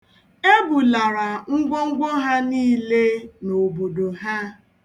E bulara ngwongwo ha niile n'obodo ha.